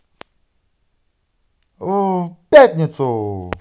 в пятницу